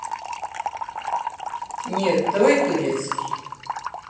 нет давай турецкий